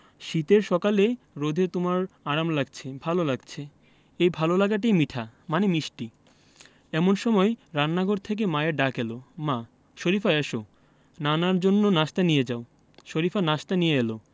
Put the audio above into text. শীতের সকালে রোদে তোমার আরাম লাগছে ভালো লাগছে এই ভালো লাগাটাই মিঠা মানে মিষ্টি এমন সময় রান্নাঘর থেকে মায়ের ডাক এলো মা শরিফা এসো নানার জন্য নাশতা নিয়ে যাও শরিফা নাশতা নিয়ে এলো